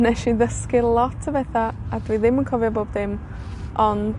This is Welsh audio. Nesh i ddysgu lot o betha, a dwi ddim yn cofio bob dim, ond